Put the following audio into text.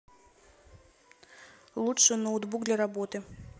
лучший ноутбук для работы